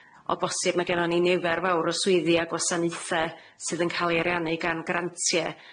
O bosib ma' gennon ni nifer fawr o swyddi a gwasanaethe sydd yn ca'l 'u ariannu gan grantie.